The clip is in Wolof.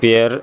merci